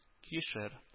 Кишер